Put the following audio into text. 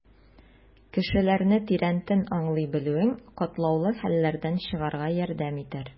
Кешеләрне тирәнтен аңлый белүең катлаулы хәлләрдән чыгарга ярдәм итәр.